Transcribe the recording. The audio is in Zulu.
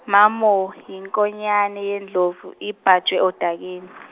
mamo yinkonyane yendlovu ibhajwe odakeni.